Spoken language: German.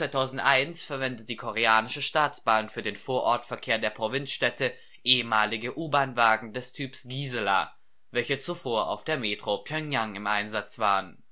2001 verwendet die Koreanische Staatsbahn für den Vorortverkehr der Provinzstädte ehemalige U-Bahnwagen des Typs GI, welche zuvor auf der Metro Pjöngjang im Einsatz waren